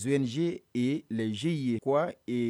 s ONG et les GIE quoi et